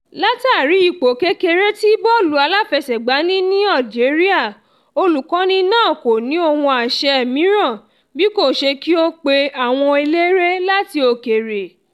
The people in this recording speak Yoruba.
Látààrí ipò kékeré tí bọ́ọ̀lù aláfẹsẹ̀gbá ní ní Algeria olùkọ́ni náà kò ní ohun àáṣe mìíràn bí kò ṣe kí ó pe àwọn eléré láti òkèèrè.